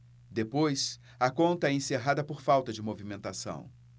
depois a conta é encerrada por falta de movimentação